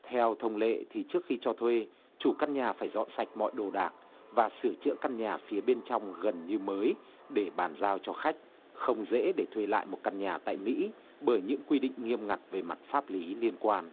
theo thông lệ thì trước khi cho thuê chủ căn nhà phải dọn sạch mọi đồ đạc và sửa chữa căn nhà phía bên trong gần như mới để bàn giao cho khách không dễ để thuê lại một căn nhà tại mỹ bởi những quy định nghiêm ngặt về mặt pháp lý liên quan